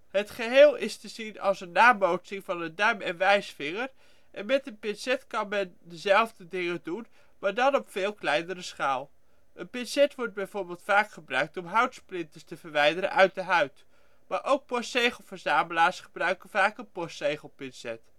Het geheel is te zien als een nabootsing van de duim en wijsvinger en met een pincet kan men dezelfde dingen doen, maar dan op veel kleinere schaal. Een pincet wordt bijvoorbeeld vaak gebruikt om houtsplinters te verwijderen uit de huid maar ook postzegelverzamelaars gebruiken vaak een postzegelpincet